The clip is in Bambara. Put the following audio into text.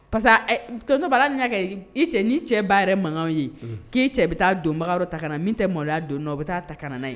Pa que bala cɛ ni cɛ ba yɛrɛ makan ye k'i cɛ bɛ taa donbaga ta ka na min tɛ maloya don nɔ o bɛ taa ta ka' ye